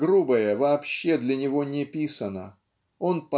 Грубое вообще для него не писано он